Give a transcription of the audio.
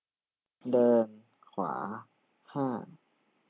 เดินขวาห้า